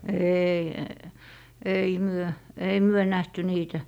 ei ei me ei me nähty niitä